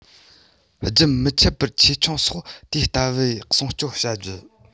རྒྱུན མི ཆད པར ཆེ ཆུང སོགས དེ ལྟ བུའི སྲུང སྐྱོང བྱ རྒྱུ